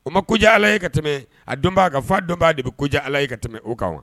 O ma kojan ala ye ka tɛmɛ a don b'a ka fa dɔnba de bɛ kojan ala ye ka tɛmɛ u kan